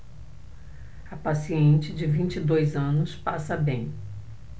a paciente de vinte e dois anos passa bem